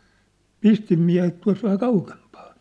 - pistinmiehet tuossa vähän kauempana